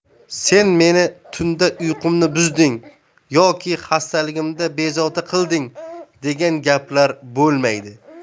sen meni tunda uyqumni buzding yoki xastaligimda bezovta qilding degan gaplar bo'lmaydi